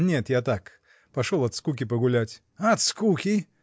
— Нет, я так: пошел от скуки погулять. — От скуки?